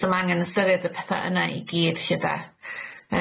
So ma' angen ystyried y petha yna i gyd llyde?